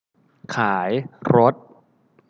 ขายรถ